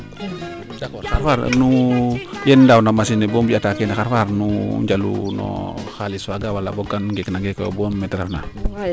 d' accord xar fo xar nu yeen ndaaw na machine ne xar fo xar nu njalu no xalis faaga wala boog gan ngeek na ngekoyo bo meete ref na